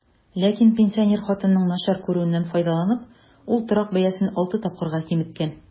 Ләкин, пенсинер хатынның начар күрүеннән файдаланып, ул торак бәясен алты тапкырга киметкән.